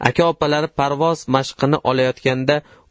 aka opalari parvoz mashqini olayotganda